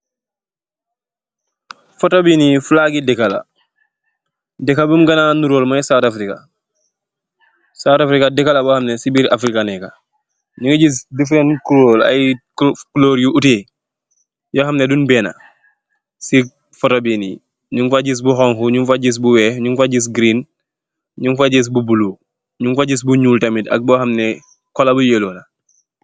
Photo bii nii flag gui dehkah la, dehkah bum genah ndurol moi South Africa, South Africa dehka la bor hamneh cii birr Africa la neka, nju giss different couleur aiiy couleur yu ouuteh, yor hamneh dun behna, cii photo bii nii njung fah gis bu honhu njung fa gis bu wekh, njung fah gis green, njung fah gis bu blue, njung fa gis bu njull tamit ak bor hamneh colour bu yellow la.